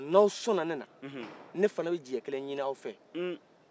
n'aw sɔna ne la ne fana bɛ jɛ kelen ɲinin aw fɛ